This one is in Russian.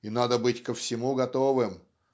и надо быть ко всему готовым.